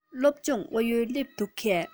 སློབ སྦྱོང ཨུ ཡོན སླེབས འདུག གས